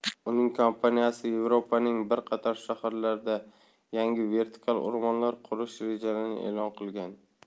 uning kompaniyasi yevropaning bir qator shaharlarida yangi vertikal o'rmonlar qurish rejalarini e'lon qilgan